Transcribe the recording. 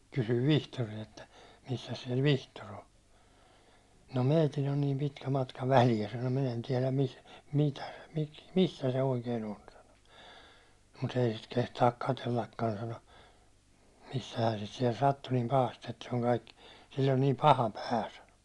kysyin Vihtoria että missäs siellä Vihtori on no meillä on niin pitkä matka väliä sanoi minä en tiedä --- missä se oikein on sanoi mutta ei sitä kehtaa katsellakaan sanoi missähän sitä siellä sattui niin pahasti että se on kaikki sillä on niin paha pää sanoi